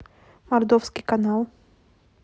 мордовский канал